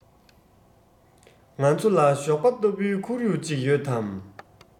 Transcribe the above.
ང ཚོ ལ ཞོགས པ ལྟ བུའི ཁོར ཡུག ཅིག ཡོད དམ